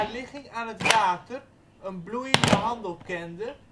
ligging aan het water een bloeiende handel kende